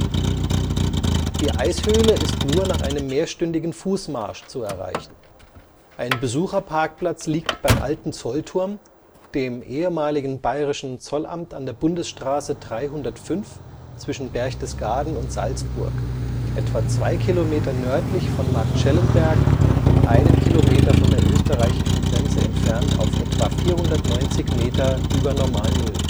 Die Eishöhle ist nur nach einem mehrstündigen Fußmarsch zu erreichen. Ein Besucherparkplatz liegt beim alten Zollturm, dem ehemaligen bayerischen Zollamt an der Bundesstraße 305 zwischen Berchtesgaden und Salzburg, etwa zwei Kilometer nördlich von Marktschellenberg und einen Kilometer von der österreichischen Grenze entfernt auf etwa 490 Meter über Normalnull